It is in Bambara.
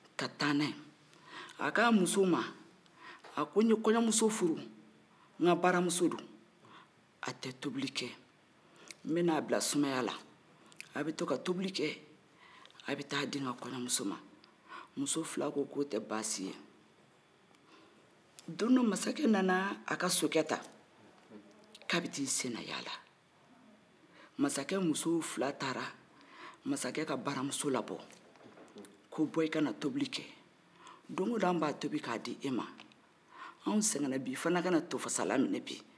k'a taa n'a ye a ko a musow man a ko n ye kɔɲɔmuso furu don o don an b'a tobi k'a di e man anw sɛgɛn bi i fana ka tofasalan bi